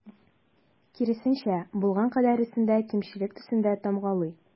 Киресенчә, булган кадәресен дә кимчелек төсендә тамгалый.